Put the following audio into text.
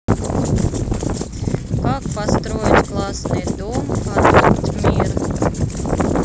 как построить классный дом адопт мир